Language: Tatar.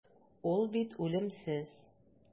Ул бит үлемсез.